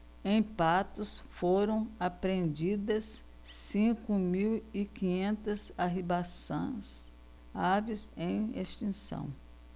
em patos foram apreendidas cinco mil e quinhentas arribaçãs aves em extinção